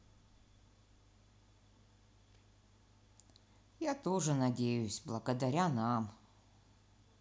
я тоже надеюсь благодаря нам